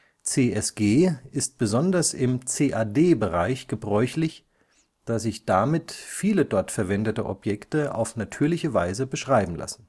CSG ist besonders im CAD-Bereich gebräuchlich, da sich damit viele dort verwendete Objekte auf natürliche Weise beschreiben lassen